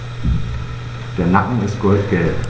Der Nacken ist goldgelb.